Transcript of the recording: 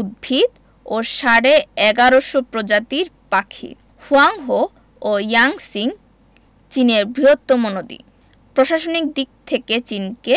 উদ্ভিত ও সাড়ে ১১শ প্রজাতির পাখি হোয়াংহো ও ইয়াংসি চীনের বৃহত্তম নদী প্রশাসনিক দিক থেকে চিনকে